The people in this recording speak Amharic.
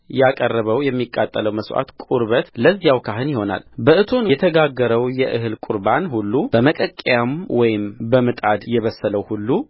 በእቶን የተጋገረው የእህል ቍርባን ሁሉ በመቀቀያም ወይም በምጣድ የበሰለው ሁሉ